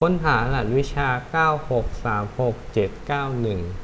ค้นหารหัสวิชาเก้าหกสามหกเจ็ดเก้าหนึ่ง